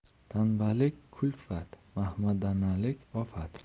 tanballik kulfat mahmadanalik ofat